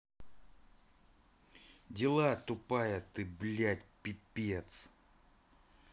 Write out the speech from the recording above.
дела тупая ты блядь пипец